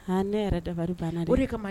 Aa Ne yɛrɛ dabali bana dɛ. O de kama